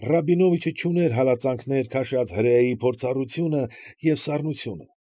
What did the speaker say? Ռաբինովիչը չուներ հալածանքներ քաշած հրեայի փորձառությունը և սառնությունը։